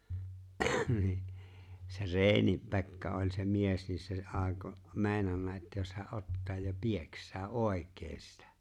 niin se Reini Pekka oli se mies niin se aikoi meinannut että jos hän ottaa ja pieksää oikein sitä